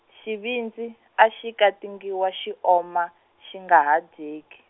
xivindzi a xi katingiwa xi oma, xi nga ha dyeki.